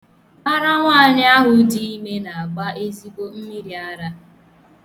Ara nwaanyị ahụ di ime na-agba ezigbo mmiriara.